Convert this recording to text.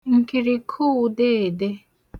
ǹkìr̀ikoudeède